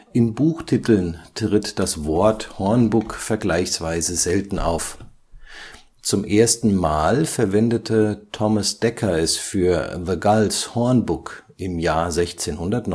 In Buchtiteln tritt das Wort “Hornbook” vergleichsweise selten auf; zum ersten Mal verwendete Thomas Dekker es für The Guls Horne-Booke (1609